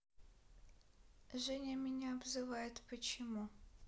женя меня обзывает почему